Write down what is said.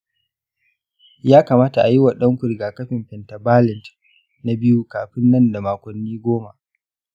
ya kamata a yi wa ɗanku rigakafin pentavalent na biyu kafin nan da makonni goma.